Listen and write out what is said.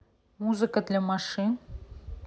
музыка для машин